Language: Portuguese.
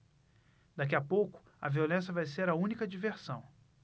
daqui a pouco a violência vai ser a única diversão